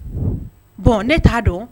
Bon ne t'a dɔn